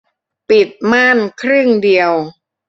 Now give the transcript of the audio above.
ปิดม่านครึ่งเดียว